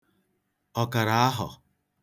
ọ̀kàrà ahọ̀